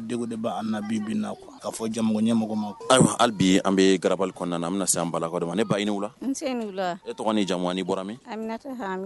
'a fɔ jamu ɲɛmɔgɔ ma ayiwa hali bi an bɛ gabali kɔnɔna an bɛna na an ma ne ba ɲini ni jan bɔra